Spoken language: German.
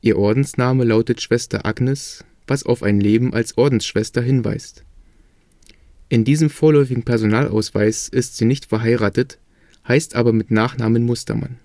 Ordensname lautet Schwester Agnes, was auf ein Leben als Ordensschwester hinweist. In diesem vorläufigen Personalausweis ist sie nicht verheiratet, heißt aber mit Nachnamen Mustermann